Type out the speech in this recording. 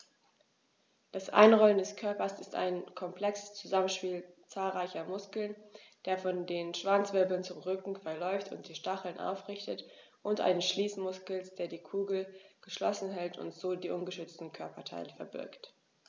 Das Einrollen des Körpers ist ein komplexes Zusammenspiel zahlreicher Muskeln, der von den Schwanzwirbeln zum Rücken verläuft und die Stacheln aufrichtet, und eines Schließmuskels, der die Kugel geschlossen hält und so die ungeschützten Körperteile verbirgt.